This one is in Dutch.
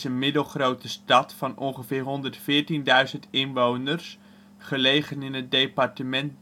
middelgrote stad van ongeveer 114.000 inwoners gelegen in het departement